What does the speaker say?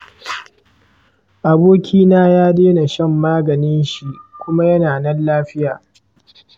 abokina ya daina shan maganin shi kuma yana nan lafiya.